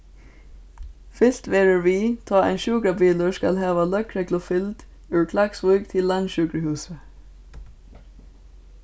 fylgt verður við tá ein sjúkrabilur skal hava løgreglufylgd úr klaksvík til landssjúkrahúsið